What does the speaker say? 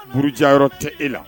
Burujɛyɔrɔ tɛ e la